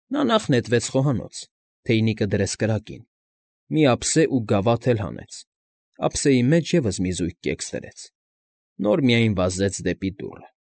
Նա նախ նետվեց խոհանոց, թեյնիկը դրեց կրակին, մի ափսե ու գավաթ էլ հանեց, ափսեի մեջ ևս մի զույգ կեքս դրեց, նոր միայն վազեց դեպի դուռը։